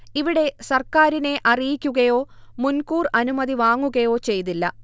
ഇവിടെ സർക്കാരിനെ അറിയിക്കുകയോ മുൻകൂർ അനുമതി വാങ്ങുകയോ ചെയ്തില്ല